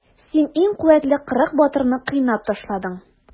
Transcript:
Син иң куәтле кырык батырны кыйнап ташладың.